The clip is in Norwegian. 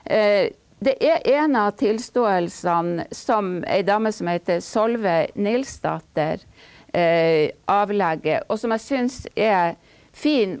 det er en av tilståelsene som ei dame som heter Solveig Nilsdatter avlegger og som jeg syns er fin.